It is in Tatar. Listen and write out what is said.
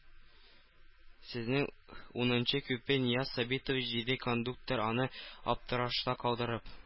Сезнең унынчы купе, Нияз Сабитович, диде кондуктор, аны аптырашта калдырып.